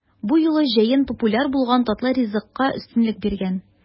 Бу юлы җәен популяр булган татлы ризыкка өстенлек бирелгән.